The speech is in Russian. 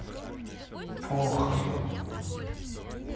похрену